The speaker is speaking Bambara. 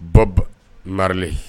Bɔbi Marile